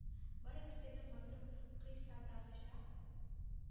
Барыбер теге мәгълүм кыйссадагыча: